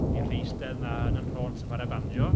I allu eistedd yna yn fy nhrons yn chwarae banjo.